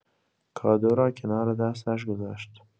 کادو را کنار دستش گذاشت.